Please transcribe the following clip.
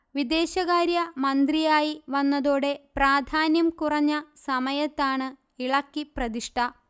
വിദേശകാര്യ മന്ത്രിയായി വന്നതോടെ പ്രാധാന്യം കുറഞ്ഞ സമയത്താണ് ഇളക്കി പ്രതിഷ്ഠ